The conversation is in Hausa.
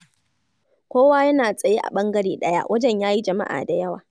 Kowa yana tsaye a ɓangare ɗaya wajen ya yi jama'a da yawa.